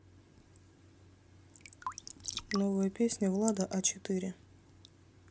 новая песня влада а четыре